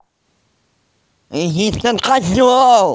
resident козет